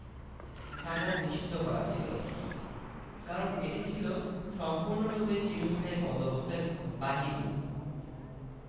স্থাপন নিষিদ্ধ করা ছিল কারণ এটি ছিল সম্পূর্ণরূপে চিরস্থায়ী বন্দোবস্তের বাহিরে